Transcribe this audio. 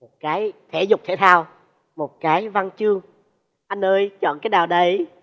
một cái thể dục thể thao một cái văn chương anh ơi chọn cái nào đây